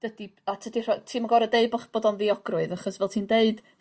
dydi... a tydi rho- Ti'm yn gor'o' deu bo' ch- bod o'n ddiogrwydd achos fel ti'n deud